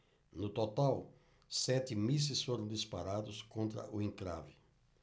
no total sete mísseis foram disparados contra o encrave